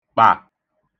kpà